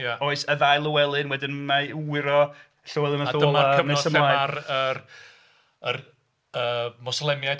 Oes y ddau Lywelyn, wedyn mae'i wŷr o Llywelyn ein Llyw Olaf... A dyma'r cyfnod lle mae'r yr yy Mwslemiaid...